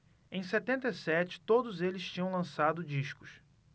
em setenta e sete todos eles tinham lançado discos